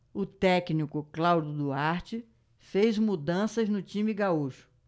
o técnico cláudio duarte fez mudanças no time gaúcho